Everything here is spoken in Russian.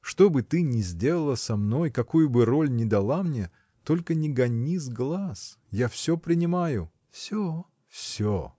Что бы ты ни сделала со мной, какую бы роль ни дала мне — только не гони с глаз — я всё принимаю. — Всё? — Всё!